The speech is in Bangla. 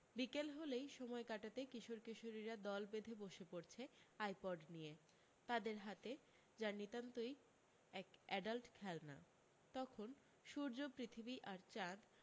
বিকেল হলেই সময় কাটাতে কিশোর কিশোরীরা দল বেঁধে বসে পড়ছে আইপড নিয়ে তাদের হাতে যা নিতান্তই এক অ্যাডাল্ট খেলনা তখন সূর্য পৃথিবী আর চাঁদ